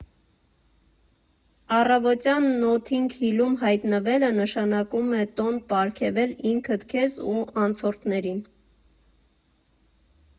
Առավոտյան Նոթինգ Հիլում հայտնվելը նշանակում է տոն պարգևել ինքդ քեզ ու անցորդներին։